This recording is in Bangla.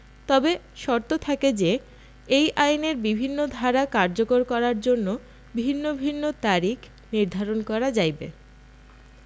তবে শর্ত থাকে যে এই আইনের বিভিন্ন ধারা কার্যকর করার জন্য ভিন্ন ভিন্ন তারিখ নির্ধারণ করা যাইবে